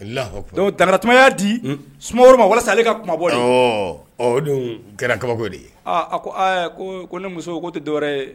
Laha tatuma y'a di sumaworo ma walasa sa ale ka kuma bɔ don kɛra kabako de ye a ko aa ko ko ne muso ko tɛ dɔwɛrɛ ye